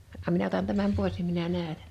anna minä otan tämän pois niin minä näytän